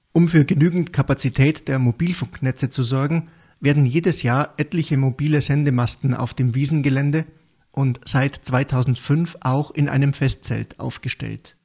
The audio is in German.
Um für genügend Kapazität der Mobilfunknetze zu sorgen, werden jedes Jahr etliche mobile Sendemasten auf dem Wiesngelände und seit 2005 auch in einem Festzelt aufgestellt